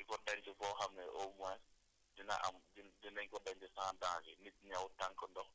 ah surtout loolu ba pare ñu mettre ko à l' abri di ko denc foo xam ne au moins dina am di dinañ ko denc sans danger nit ñëw tànq ndox